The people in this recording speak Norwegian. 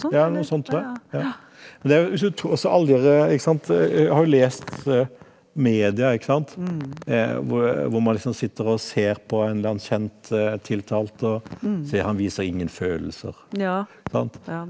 ja noe sånt tror jeg ja og det er jo så også alle de derre ikke sant jeg har jo lest media ikke sant hvor hvor man liksom sitter og ser på en eller annen kjent tiltalt og ser han viser ingen følelser sant.